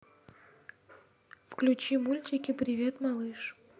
включи мультики привет малыш